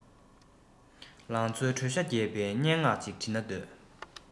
ལང ཚོའི དྲོད ཤ རྒྱས པའི སྙན ངག ཅིག འབྲི ན འདོད